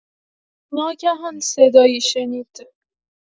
ناگهان صدایی شنید.